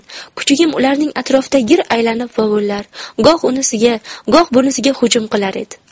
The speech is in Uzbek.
kuchugim ularning atrofida gir aylanib vovullar goh unisiga goh bunisiga hujum qilar edi